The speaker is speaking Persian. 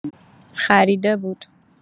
خریده بود